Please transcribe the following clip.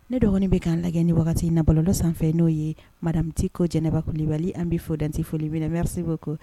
Ne dɔgɔnin bɛ k'an lajɛ nin wagati in na bololɔ sanfɛ n'o ye Mme Dicko Jɛnɛba Kulibali , an b'a fo dan tɛ foli min na merci beaucoup